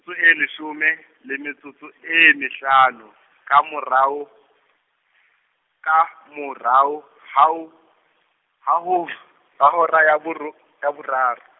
-tso e le shome, le metsotso e mehlano, ka morao, ka, morao, hao-, ha ho , ha hora ya boro-, ya boraro.